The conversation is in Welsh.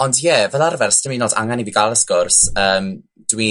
Ond, ie, fel arfer, 'sdim 'yd yn o'd angen i fi ga'l y sgwrs yym dwi